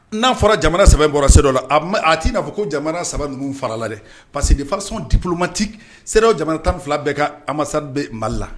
N'a fɔra jamana sɛbɛn bɔra se dɔ a t'i'a fɔ ko jamana saba ninnuugu fara la dɛ pa quesekefaso dipmati se jamana tan ni fila bɛɛ ka a masabe mali la